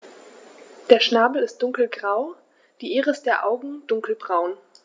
Der Schnabel ist dunkelgrau, die Iris der Augen dunkelbraun.